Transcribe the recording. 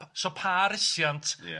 Pa- so 'Pa rusiant'... Ia